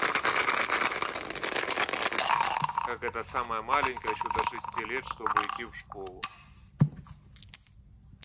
как это самое маленькая еще до шести лет чтобы идти в школу